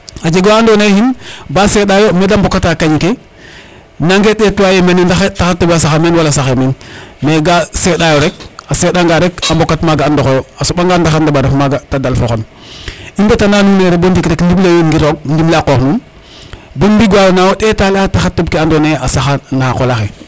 a jega wa ando naye xin ba seɗayo mede mbokata kañ ke nange ndeta yo mene ndax taxar teɓa saxa meen wala saxe meen mais ga seɗa yo rek a seɗa nga rek a mbokat maga a ndoxoyo a soɓanga ndaxar ndeɓ a ref maga te dalfa xon i mbeta na nuun ne bo ndiik rek ndimle yo in ngir roog ndimle a qoox nuun bon mbing wa nayo ndeta le a taxar teɓ ke ando naye a saxa naxa qola xe